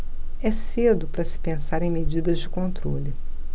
é cedo para se pensar em medidas de controle